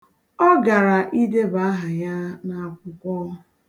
Ọ gara ideba aha ya n'akwụkwọ.